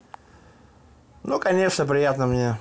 ну конечно приятно мне